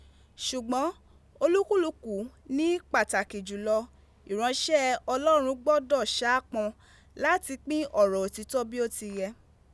Sugbon, olukuluku ni pataki julo, iranse Olorun gbodo saapon lati “pin oro otito bi o ti ye